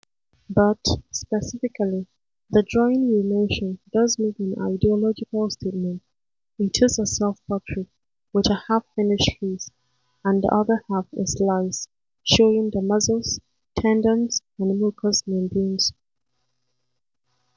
But, specifically, the drawing you mention does make an ideological statement: It is a self-portrait with a half-finished face, and the other half is sliced, showing the muscles, tendons and mucous membranes.